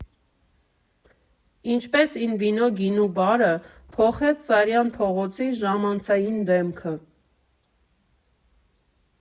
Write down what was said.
Ինչպես Ին վինո գինու բարը փոխեց Սարյան փողոցի ժամանցային դեմքը։